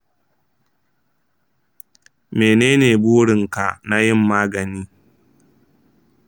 menene burin ka na yin magani?